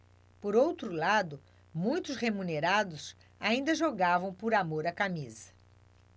por outro lado muitos remunerados ainda jogavam por amor à camisa